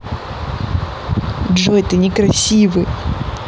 джой ты некрасивый